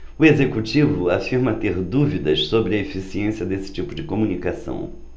o executivo afirma ter dúvidas sobre a eficiência desse tipo de comunicação